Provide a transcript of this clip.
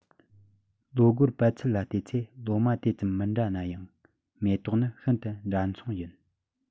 ལོ སྒོར པད ཚལ ལ བལྟས ཚེ ལོ མ དེ ཙམ མི འདྲ ན ཡང མེ ཏོག ནི ཤིན ཏུ འདྲ མཚུངས ཡིན